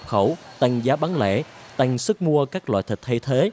khẩu tăng giá bán lẻ tăng sức mua các loại thịt thay thế